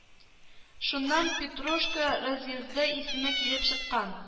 Шуннан петрушка разъезды исеме килеп чыккан